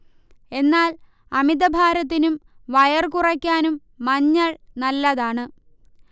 എന്നാൽ അമിതഭാരത്തിനും വയർ കുറക്കാനും മഞ്ഞൾ നല്ലതാണ്